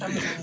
amiin amiin